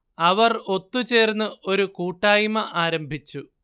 അവർ ഒത്തു ചേർന്ന് ഒരു കൂട്ടായ്മ ആരംഭിച്ചു